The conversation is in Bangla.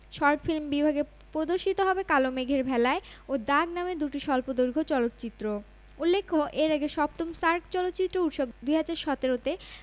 শর্ট ফিল্ম বিভাগে প্রদর্শিত হবে কালো মেঘের ভেলায় ও দাগ নামের দুটি স্বল্পদৈর্ঘ চলচ্চিত্র উল্লেখ্য এর আগে ৭ম সার্ক চলচ্চিত্র উৎসব ২০১৭ তে